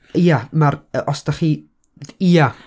Ia, ma'r, os dach chi, ia, ma' 'na...